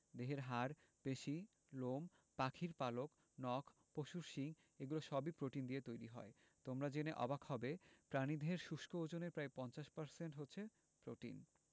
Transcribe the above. দেহের হাড় পেশি লোম পাখির পালক নখ পশুর শিং এগুলো সবই প্রোটিন দিয়ে তৈরি হয় তোমরা জেনে অবাক হবে প্রাণীদেহের শুষ্ক ওজনের প্রায় ৫০% হচ্ছে প্রোটিন